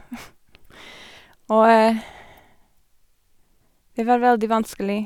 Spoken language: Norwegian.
Og det var veldig vanskelig.